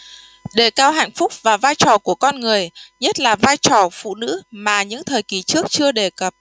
đề cao hạnh phúc và vai trò của con người nhất là vai trò phụ nữ mà những thời kỳ trước chưa đề cập